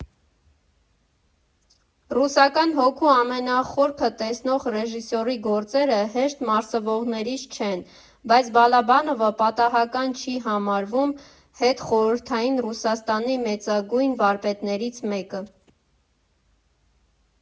Ռուսական հոգու ամենախորքը տեսնող ռեժիսորի գործերը հեշտ մարսվողներից չեն, բայց Բալաբանովը պատահական չի համարվում հետխորհրդային Ռուսաստանի մեծագույն վարպետներից մեկը։